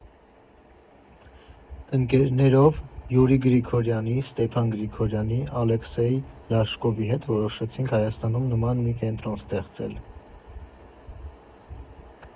Ընկերեներով՝ Յուրի Գրիգորյանի, Ստեփան Գրիգորյանի, Ալեքսեյ Լաշկովի հետ որոշեցինք Հայաստանում նման մի կենտրոն ստեղծել։